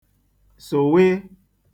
̣sụ̀wịị